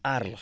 aar la